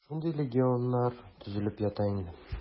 Шундый легионнар төзелеп ята инде.